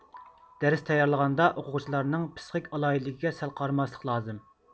دەرس تەييارلىغاندا ئوقۇغۇچىلارنىڭ پسىخىك ئالاھىدىلىكىگە سەل قارىماسلىق لازىم